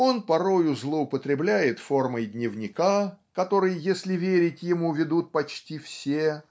он порою злоупотребляет формой дневника который если верить ему ведут почти все